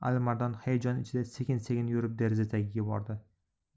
alimardon hayajon ichida sekin sekin yurib deraza tagiga bordi